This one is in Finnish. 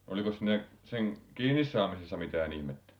olikos ne sen kiinni saamisessa mitään ihmettä